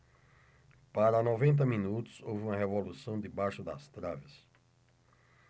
para noventa minutos houve uma revolução debaixo das traves